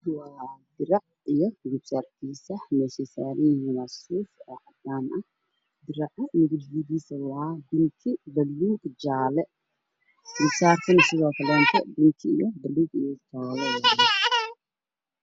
Waa labo go saaran sariir midabkeedu yahay caddaan go midabkiisa waa guduud buluu haddaan